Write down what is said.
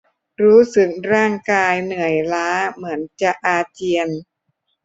รู้สึกร่างกายเหนื่อยล้าเหมือนจะอาเจียน